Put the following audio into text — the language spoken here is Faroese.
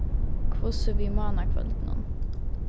hvussu við mánakvøldinum